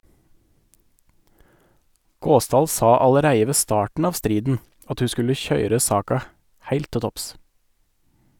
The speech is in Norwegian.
Gåsdal sa allereie ved starten av striden at ho skulle køyre saka heilt til topps.